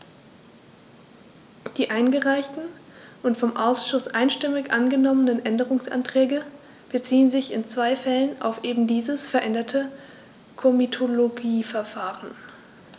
Die eingereichten und vom Ausschuss einstimmig angenommenen Änderungsanträge beziehen sich in zwei Fällen auf eben dieses veränderte Komitologieverfahren.